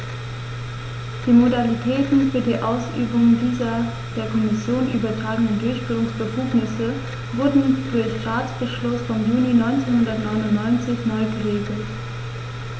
Die Modalitäten für die Ausübung dieser der Kommission übertragenen Durchführungsbefugnisse wurden durch Ratsbeschluss vom Juni 1999 neu geregelt.